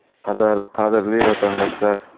qadrli vatandoshlar